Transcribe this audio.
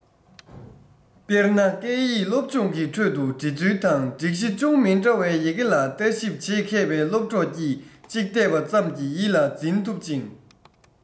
དཔེར ན སྐད ཡིག སློབ སྦྱོང གི ཁྲོད དུ འབྲི ཚུལ དང སྒྲིག གཞི ཅུང མི འདྲ བའི ཡི གེ ལ ལྟ ཞིབ བྱེད མཁས པའི སློབ གྲོགས ཀྱིས གཅིག བལྟས པ ཙམ གྱིས ཡིད ལ འཛིན ཐུབ ཅིང